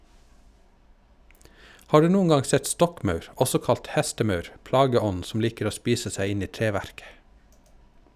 Har du noen gang sett stokkmaur, også kalt hestemaur, plageånden som liker å spise seg inn i treverket?